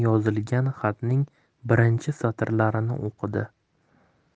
yozilgan xatning birinchi satrlarini o'qidi